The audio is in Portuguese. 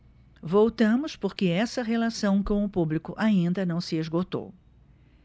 voltamos porque essa relação com o público ainda não se esgotou